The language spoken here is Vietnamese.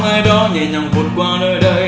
bóng ai đó nhẹ nhàng vụt qua nơi đây